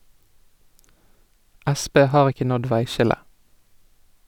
Sp har ikke nådd veiskillet.